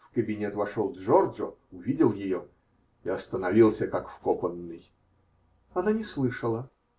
В кабинет вошел Джорджо, увидел ее и остановился как вкопанный. Она не слышала.